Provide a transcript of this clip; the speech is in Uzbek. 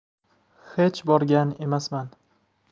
hech borgan emasman